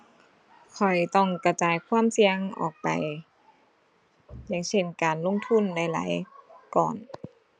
ข้อยต้องกระจายความเสี่ยงออกไป อย่างเช่น การลงทุนหลายหลายก้อน